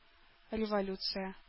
Революция